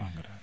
engrais